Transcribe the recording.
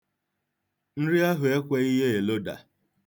Nri ahụ ekweghị ya eloda.